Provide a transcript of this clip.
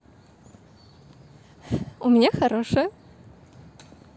у меня хорошая